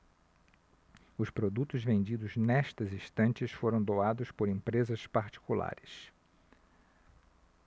os produtos vendidos nestas estantes foram doados por empresas particulares